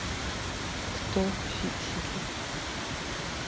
кто фиксики